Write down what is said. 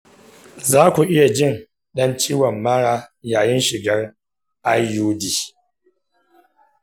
za ku iya jin ɗan ciwon mara yayin shigar iud.